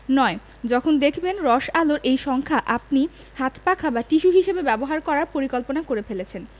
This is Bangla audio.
৯. যখন দেখবেন রস+আলোর এই সংখ্যা আপনি হাতপাখা বা টিস্যু হিসেবে ব্যবহার করার পরিকল্পনা করে ফেলেছেন